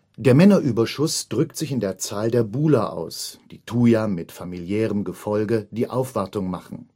Der Männerüberschuss drückt sich in der Zahl der Buhler aus, die Tuya mit familiärem Gefolge die Aufwartung machen